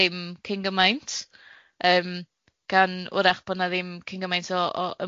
ddim cyn gymaint yym gan 'w'rach bod na ddim cyn gymaint o o